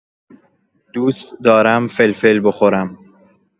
دوست دارم فلفل بخورم.